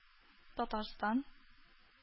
Татарстан